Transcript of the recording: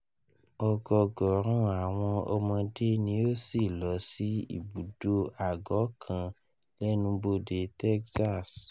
Ọgọgọrun awọn ọmọde ni o ṣilọ si ibudo agọ kan lẹnubode Texas